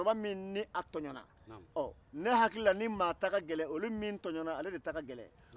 musokɔrɔba min n' a tɔɲɔna ɛ ne hakili la ni maa ta ka gɛlɛn olu minnu tɔɲɔna olu de ta ka gɛlɛn